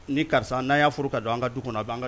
Ni karisa n'a' y'a furu ka don an ka du kɔnɔ a b'an ka